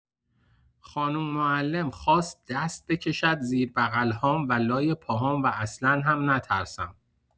خانم معلم خواست دست بکشد زیر بقل‌هام و لای پاهام و اصلا هم نترسم.